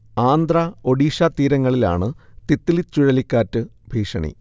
ആന്ധ്ര, ഒഡീഷ തീരങ്ങളിലാണ് തിത്ലി ചുഴലിക്കാറ്റ് ഭീഷണി